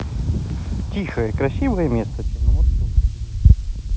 тихое красивое место черноморского побережья